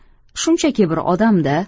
shunchaki bir odam da